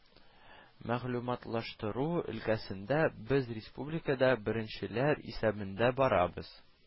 Мәгълүматлаштыру өлкәсендә без республикада беренчеләр исәбендә барабыз